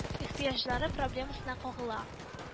Ихтыяҗлары проблемасына кагыла